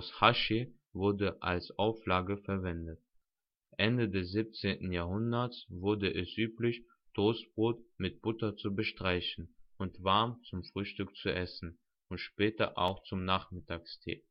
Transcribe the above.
Haschee wurde als Auflage verwendet. Ende des 17. Jahrhunderts wurde es üblich, Toastbrot mit Butter zu bestreichen und warm zum Frühstück zu essen und später auch zum Nachmittagstee